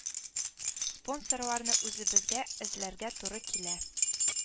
Спонсорларны үзебезгә эзләргә туры килә